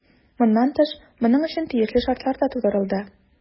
Моннан тыш, моның өчен тиешле шартлар да тудырылды.